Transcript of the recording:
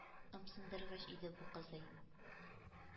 Ымсындыргыч иде бу кызый.